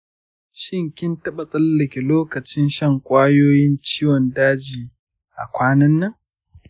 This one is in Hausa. kin taba tsallake lokacin shan kwayoyin ciwon daji a kwanannan?